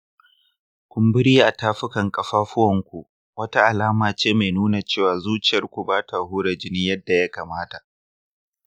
kumburi a tafukan ƙafafuwanku wata alama ce mai nuna cewa zuciyarku ba ta hura jini yadda ya kamata